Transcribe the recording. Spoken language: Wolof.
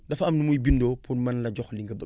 dafa am nu muy bindoo pour mën la jox li nga bëgg